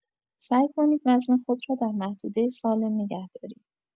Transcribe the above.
سعی کنید وزن خود را در محدوده سالم نگه دارید.